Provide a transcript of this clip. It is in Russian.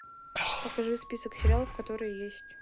покажи список сериалов которые есть